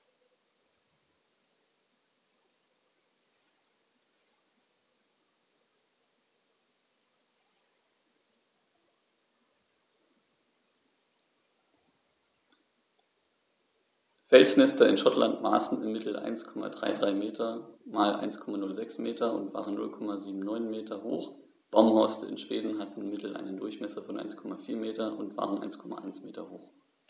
Felsnester in Schottland maßen im Mittel 1,33 m x 1,06 m und waren 0,79 m hoch, Baumhorste in Schweden hatten im Mittel einen Durchmesser von 1,4 m und waren 1,1 m hoch.